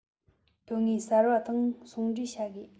དོན དངོས གསར པ དང ཟུང འབྲེལ བྱ དགོས